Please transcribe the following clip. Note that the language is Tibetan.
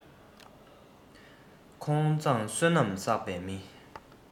ཁོང མཛངས བསོད ནམས བསགས པའི མི